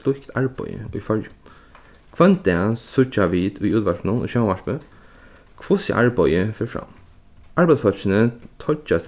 slíkt arbeiði í føroyum hvønn dag síggja vit í útvarpinum og sjónvarpi hvussu arbeiðið fer fram arbeiðsfólkini toyggja